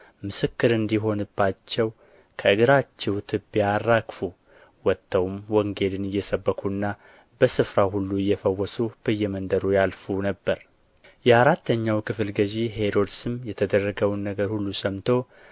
ምስክር እንዲሆንባቸው ከእግራችሁ ትቢያ አራግፉ ወጥተውም ወንጌልን እየሰበኩና በስፍራው ሁሉ እየፈወሱ በየመንደሩ ያልፉ ነበር የአራተኛው ክፍል ገዥ ሄሮድስም የተደረገውን ነገር ሁሉ ሰምቶ